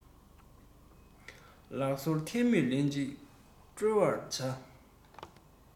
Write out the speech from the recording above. ལག སོར དལ མོས ལེན ཅིག དཀྲོལ བར བྱ